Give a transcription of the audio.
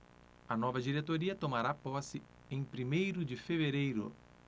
a nova diretoria tomará posse em primeiro de fevereiro